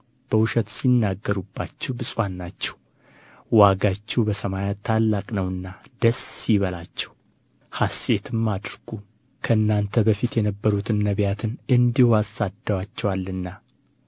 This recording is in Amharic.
በውሸት ሲናገሩባችሁ ብፁዓን ናችሁ ዋጋችሁ በሰማያት ታላቅ ነውና ደስ ይበላችሁ ሐሴትም አድርጉ ከእናንተ በፊት የነበሩትን ነቢያትን እንዲሁ አሳድደዋቸዋልና